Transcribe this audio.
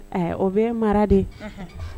Ɛɛ o be mara de unhun